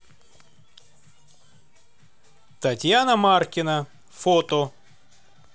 татьяна маркина фото